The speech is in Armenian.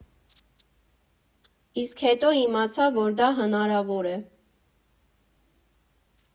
Իսկ հետո իմացա, որ դա հնարավոր է։